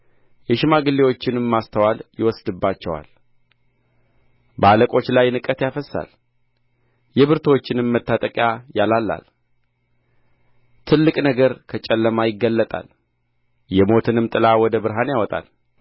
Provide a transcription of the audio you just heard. የሽማግሌዎችንም ማስተዋል ይወስድባቸዋል በአለቆች ላይ ንቀትን ያፈስሳል የብርቱዎችንም መታጠቂያ ያላላል ጥልቅ ነገር ከጨለማ ይገልጣል የሞትንም ጥላ ወደ ብርሃን ያወጣል